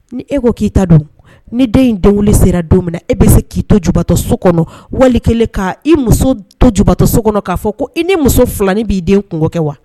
Ni e ko k'i ta don ni den in den sera don min na e bɛ se k'i to jubatɔ so kɔnɔ wali kɛlen k' i muso to jubatɔ so kɔnɔ'a fɔ ko i ni muso filanin b'i den kungo kɛ wa